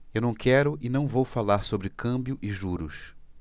eu não quero e não vou falar sobre câmbio e juros